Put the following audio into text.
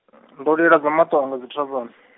ndo liladza maṱo anga dzi thavhani.